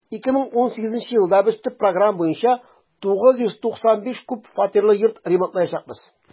2018 елда без төп программа буенча 995 күп фатирлы йорт ремонтлаячакбыз.